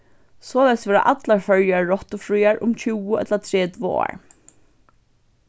soleiðis verða allar føroyar rottufríar um tjúgu ella tretivu ár